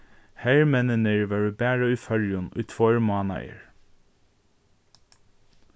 hermenninir vóru bara í føroyum í tveir mánaðir